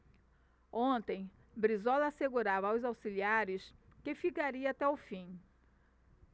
ontem brizola assegurava aos auxiliares que ficaria até o fim